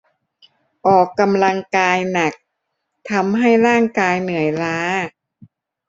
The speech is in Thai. ออกกำลังกายหนักทำให้ร่างกายเหนื่อยล้า